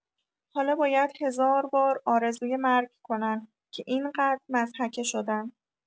حالا باید هزار بار آرزوی مرگ کنن که اینقد مضحکه شدن